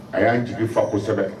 A y'an jigi fa kosɛbɛ